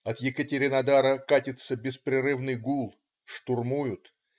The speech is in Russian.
От Екатеринодара катится беспрерывный гул: штурмуют.